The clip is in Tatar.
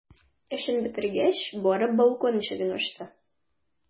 Эшен бетергәч, барып балкон ишеген ачты.